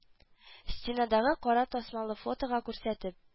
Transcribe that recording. Стенадагы кара тасмалы фотога күрсәтеп